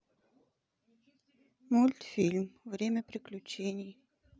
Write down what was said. мультфильм время приключений